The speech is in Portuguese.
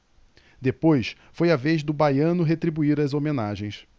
depois foi a vez do baiano retribuir as homenagens